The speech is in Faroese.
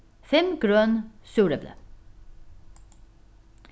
fimm grøn súrepli